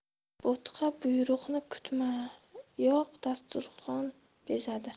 bo'tqa buyruqni kutmayoq dasturxon bezadi